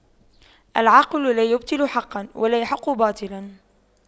العاقل لا يبطل حقا ولا يحق باطلا